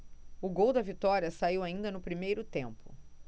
o gol da vitória saiu ainda no primeiro tempo